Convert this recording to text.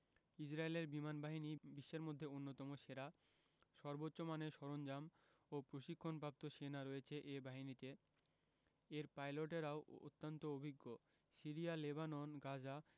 ইসরায়েলের বিমানবাহিনী বিশ্বের মধ্যে অন্যতম সেরা সর্বোচ্চ মানের সরঞ্জাম ও প্রশিক্ষণপ্রাপ্ত সেনা রয়েছে এ বাহিনীতে এর পাইলটেরাও অত্যন্ত অভিজ্ঞ সিরিয়া লেবানন গাজা